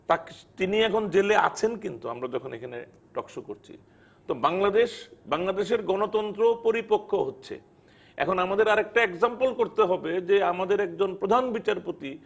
তিনি এখন জেলে আছেন কিন্তু আমরা যখন এখানে টকশো করছি তো বাংলাদেশ বাংলাদেশের গণতন্ত্র পরিপক্ক হচ্ছে এখন আমাদের আরেকটা এক্সাম্পল করতে হবে যে আমাদের একজন প্রধান বিচারপতি